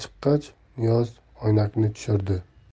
chiqqach niyoz oynakni tushirdi